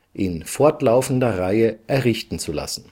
in fortlaufender Reihe errichten zu lassen